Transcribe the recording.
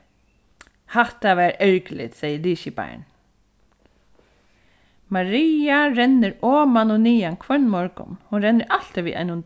hatta var ergiligt segði liðskiparin maria rennur oman og niðan hvønn morgun hon rennur altíð við einum